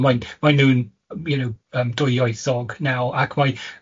Mae'n mae'n nhw'n, you know, yym dwyieithog naw', ac mae